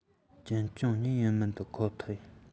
གཅེན གཅུང གཉིས ཡིན མི འདོད ཁོ ཐག ཡིན